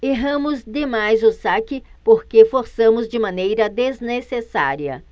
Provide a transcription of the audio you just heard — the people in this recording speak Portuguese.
erramos demais o saque porque forçamos de maneira desnecessária